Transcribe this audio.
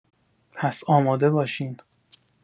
پس آماده باشین.